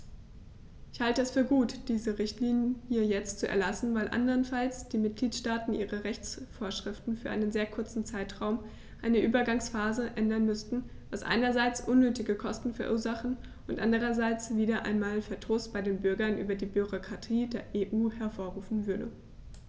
Ich halte es für gut, diese Richtlinie jetzt zu erlassen, weil anderenfalls die Mitgliedstaaten ihre Rechtsvorschriften für einen sehr kurzen Zeitraum, eine Übergangsphase, ändern müssten, was einerseits unnötige Kosten verursachen und andererseits wieder einmal Verdruss bei den Bürgern über die Bürokratie der EU hervorrufen würde.